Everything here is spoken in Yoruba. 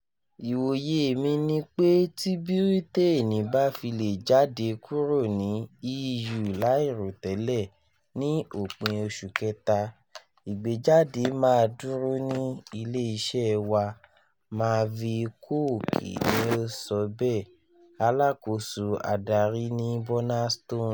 "Ìwòyé mi ni pé tí Bírítéènì ba fi le jáde kúrò ní EU láìròtẹ́lẹ̀ ní òpin oṣù kẹta, ìgbéjáde máa dúró ní ilé iṣẹ́ wa,” Marvi Cooke ni ó sọ bẹ́ẹ̀, Alákòóso adarí ní Burnaston.